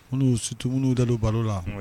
Kuluu surtout minnu y'u da don baro la un